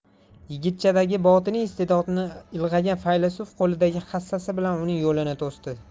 yigitchadagi botiniy istedodni ilg'agan faylasuf qo'lidagi hassasi bilan uning yo'lini to'sdi